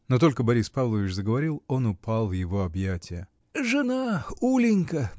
Но только Борис Павлович заговорил, он упал в его объятия. — Жена! Улинька!